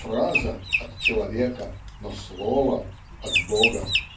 Фраза - от человека; но слово - от Бога.